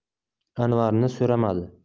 anvarni so'ramadi